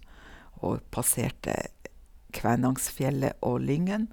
Og v passerte Kvænangsfjellet og Lyngen.